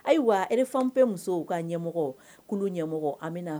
Ayiwa e bɛɛ musow ka ɲɛmɔgɔ kun ɲɛmɔgɔ an bɛ